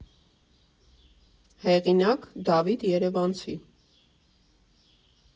Հեղինակ՝ Դավիթ Երևանցի։